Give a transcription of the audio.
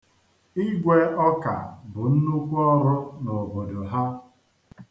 Ịgwe ọka bụ nnukwu ọrụ n'obodo ha.